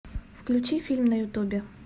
включи фильм на ютубе